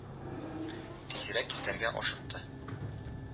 Тизрәк китәргә ашыкты.